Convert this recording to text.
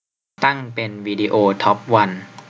ตั้งเป็นวิดีโอทอปวัน